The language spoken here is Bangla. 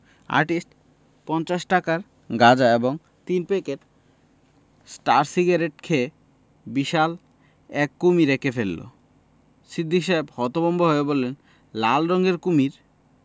আর্টিস্ট পঞ্চাশ টাকার গাঁজা এবং তিন প্যাকেট স্টার সিগারেট খেয়ে বিশাল এক কুমীর এঁকে ফেলল সিদ্দিক সাহেব হতভম্ব হয়ে বললেন লাল রঙের কুমীর